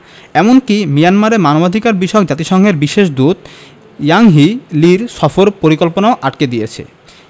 এমনকি মিয়ানমারে মানবাধিকারবিষয়ক জাতিসংঘের বিশেষ দূত ইয়াংহি লির সফর পরিকল্পনাও আটকে দিয়েছে